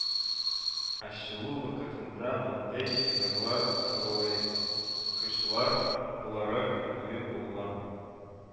Ачылу вакытында, мондый җиһазлар турылайт кычлар буларак мәгълүм булган